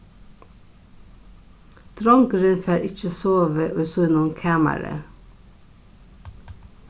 drongurin fær ikki sovið í sínum kamari